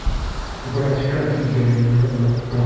Врачка нигә килгәнлегемне оныттым.